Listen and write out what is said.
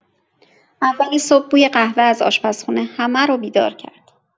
اول صبح بوی قهوه از آشپزخونه همه رو بیدار کرد.